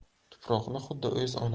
tuproqni xuddi o'z